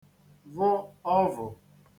vụ ọvụ̀